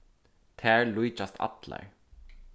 tær líkjast allar